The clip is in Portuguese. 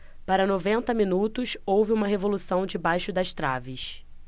para noventa minutos houve uma revolução debaixo das traves